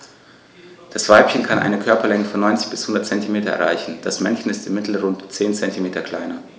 Das Weibchen kann eine Körperlänge von 90-100 cm erreichen; das Männchen ist im Mittel rund 10 cm kleiner.